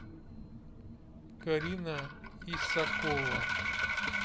карина исакова